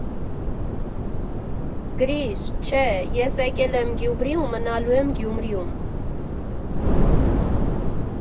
Գրիշ, չէ, ես եկել եմ Գյումրի ու մնալու եմ Գյուրիում։